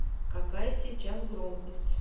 какая сейчас громкость